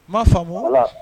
N maa faamumu